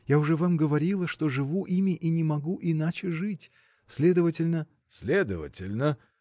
Я уже вам говорила, что живу ими и не могу иначе жить. следовательно. — Следовательно.